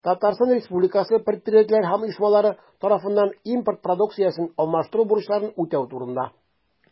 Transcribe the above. Татарстан Республикасы предприятиеләре һәм оешмалары тарафыннан импорт продукциясен алмаштыру бурычларын үтәү турында.